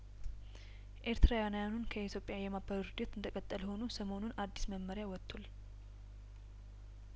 ኤርትራያን ያኑን ከኢትዮጵያ የማባረሩ ሂደት እንደቀጠለ ሆኖ ሰሞኑን አዲስ መመሪያም ወቶል